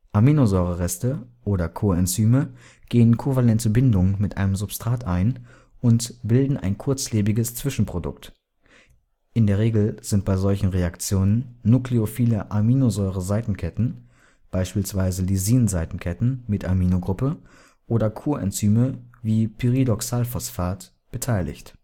Aminosäurereste oder Koenzyme gehen kovalente Bindungen mit einem Substrat ein und bilden ein kurzlebiges Zwischenprodukt. In der Regel sind bei solchen Reaktionen nukleophile Aminosäure-Seitenketten (beispielsweise Lysin-Seitenketten mit Aminogruppe) oder Koenzyme wie Pyridoxalphosphat beteiligt